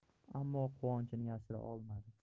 ammo quvonchini yashira olmadi